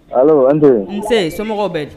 Tɛ nse somɔgɔw bɛ